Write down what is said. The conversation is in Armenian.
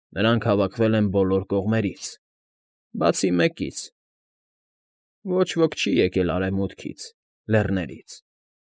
Նրանք հավաքվել են բոլոր կողմերից, բացի մեկից. ոչ ոք չի եկել արևմուտքից, լեռներից։